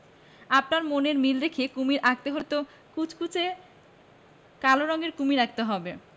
আপনার মনের মিল রেখে কুমীর আঁকতে হলে তো কুচকুচে কালাে রঙের কুমীর আঁকতে হবে